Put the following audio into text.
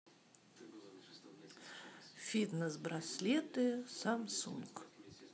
фитнес браслеты самсунг